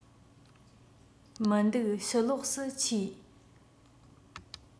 མི འདུག ཕྱི ལོགས སུ མཆིས